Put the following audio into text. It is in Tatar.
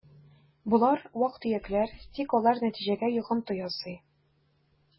Болар вак-төякләр, тик алар нәтиҗәгә йогынты ясый: